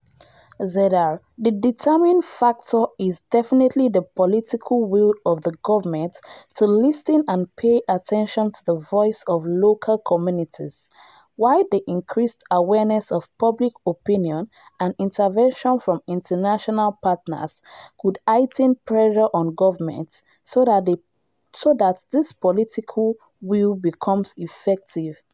ZR: The determining factor is definitely the political will of the government to listen and pay attention to the voice of local communities, while the increased awareness of public opinion and intervention from international partners could heighten pressure on governments so that this political will becomes effective.